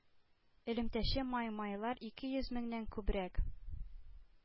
Элемтәче маэмайлар ике йөз меңнән күбрәк